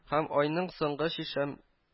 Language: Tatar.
Һәр айның соңгы чишәм